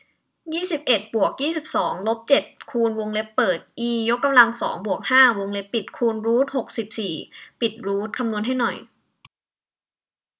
ยี่สิบเอ็ดบวกยี่สิบสองลบเจ็ดคูณวงเล็บเปิดอียกกำลังสองบวกห้าวงเล็บปิดคูณรูทหกสิบสี่ปิดรูทคำนวณให้หน่อย